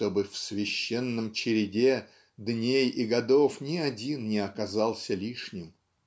чтобы в "священной череде" дней и годов ни один не оказался лишним.